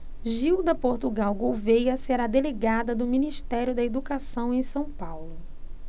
gilda portugal gouvêa será delegada do ministério da educação em são paulo